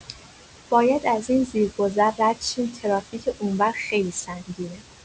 باید از این زیرگذر رد شیم، ترافیک اونور خیلی سنگینه.